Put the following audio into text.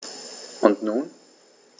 Und nun?